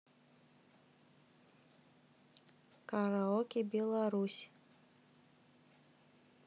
караоке беларусь